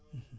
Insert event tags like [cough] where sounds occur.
[hesitation] [hesitation]